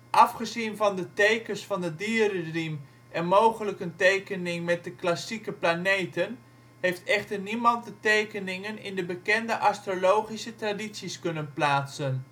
Afgezien van de tekens van de dierenriem en mogelijk een tekening met de klassieke planeten, heeft echter niemand de tekeningen in de bekende astrologische tradities kunnen plaatsen